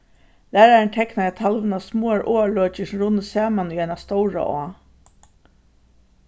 lærarin teknaði á talvuna smáar áarløkir sum runnu saman í eina stóra á